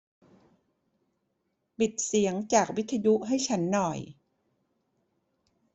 ปิดเสียงจากวิทยุให้ฉันหน่อย